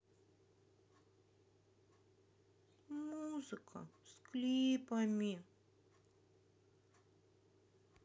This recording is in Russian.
музыка с клипами